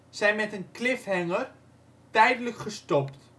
zijn met een cliffhanger tijdelijk gestopt